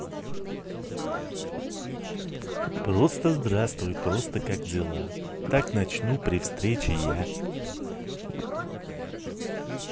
просто здравствуй просто как дела так начну при встрече я